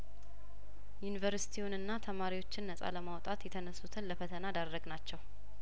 ዩኒቨርስቲውንና ተማሪዎችን ነጻ ለማውጣት የተነሱትን ለፈተና ዳረግ ናቸው